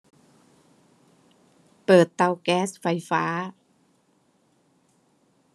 เปิดเตาแก๊สไฟฟ้า